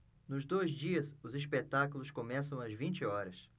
nos dois dias os espetáculos começam às vinte horas